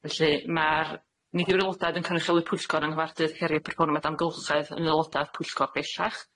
felly ma'r... Nid yw'r aelodau yn cynrychioli pwyllgor yng nghyfarfodydd heriau perfformiad amgylchedd yn aeloda' o'r pwyllgor bellach.